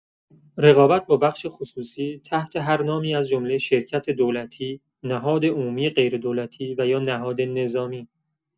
رقابت با بخش خصوصی تحت هر نامی از جمله شرکت دولتی، نهاد عمومی غیردولتی و یا نهاد نظامی